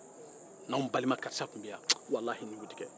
n'anw balima karisa tun bɛ yan walahi ni tun tɛ kɛ